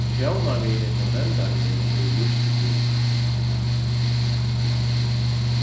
sjónarmiðini hjá nevndarlimunum eru lýst til fulnar